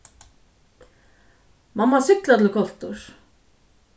mann má sigla til kolturs